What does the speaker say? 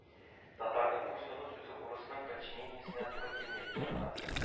Татарның "буйсыну" сүзе урысның "подчинение"сенә туры килми, җәмәгать